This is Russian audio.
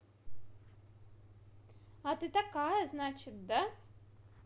а ты такая значит да